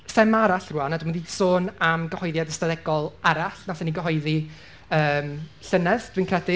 Thema arall rŵan, a dwi'n mynd i sôn am gyhoeddiad ystadegol arall wnaethon ni gyhoeddi llynedd, dwi'n credu.